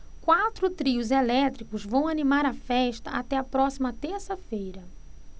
quatro trios elétricos vão animar a festa até a próxima terça-feira